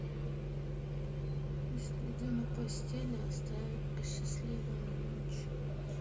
следы на постели оставят просчетливая ночь